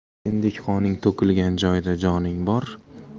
kindik qoning to'kilgan joyda joning